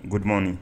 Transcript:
G duman